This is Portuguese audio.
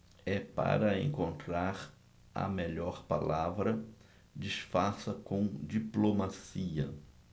é para encontrar a melhor palavra disfarça com diplomacia